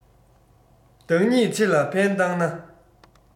བདག ཉིད ཆེ ལ ཕན བཏགས ན